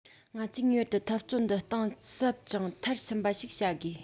ང ཚོས ངེས པར དུ འཐབ རྩོད འདི གཏིང ཟབ ཅིང མཐར ཕྱིན པ ཞིག བྱ དགོས